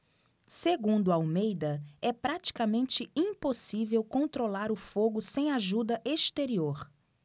segundo almeida é praticamente impossível controlar o fogo sem ajuda exterior